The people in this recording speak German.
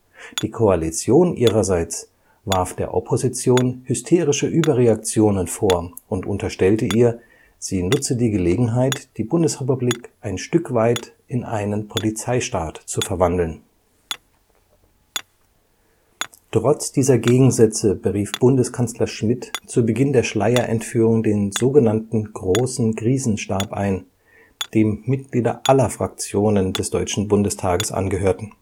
Die Koalition ihrerseits warf der Opposition hysterische Überreaktionen vor und unterstellte ihr, sie nutze die Gelegenheit, die Bundesrepublik ein Stück weit in einen Polizeistaat zu verwandeln. Trotz dieser Gegensätze berief Bundeskanzler Schmidt zu Beginn der Schleyer-Entführung den so genannten Großen Krisenstab ein, dem Mitglieder aller Fraktionen des Deutschen Bundestages angehörten